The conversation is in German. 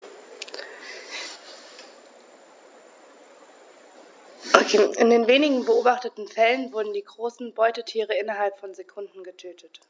In den wenigen beobachteten Fällen wurden diese großen Beutetiere innerhalb von Sekunden getötet.